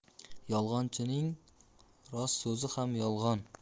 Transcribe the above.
yolg'onchining rost so'zi ham yolg'on